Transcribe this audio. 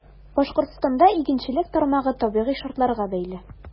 Башкортстанда игенчелек тармагы табигый шартларга бәйле.